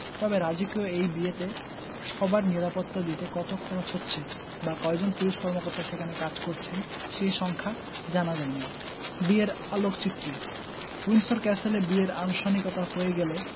তবে রাজকীয় এই বিয়েতে সবার নিরাপত্তা দিতে কত খরচ হচ্ছে বা কয়জন পুলিশ কর্মকর্তা সেখানে কাজ করছেন সেই সংখ্যা জানা যায়নি বিয়ের আলোকচিত্রী উইন্ডসর ক্যাসেলে বিয়ের আনুষ্ঠানিকতা হয়ে গেলে